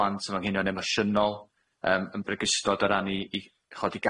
blant efo anghenion emosiynol yym yn bregystod o ran 'i 'i ch'od 'i